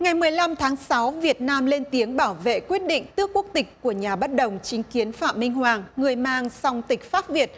ngày mười lăm tháng sáu việt nam lên tiếng bảo vệ quyết định tước quốc tịch của nhà bất đồng chính kiến phạm minh hoàng người mang song tịch pháp việt